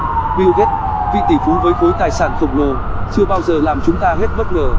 bill gates vị tỷ phú với khối tài sản khổng lồ chưa bao giờ làm chúng ta hết bất ngờ